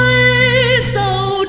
đêm có